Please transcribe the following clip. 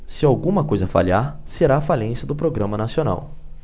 se alguma coisa falhar será a falência do programa nacional